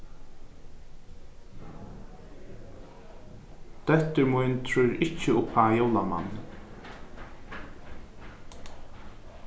dóttir mín trýr ikki uppá jólamannin